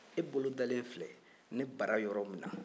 e bolo dalen filɛ ne bara yɔrɔ min na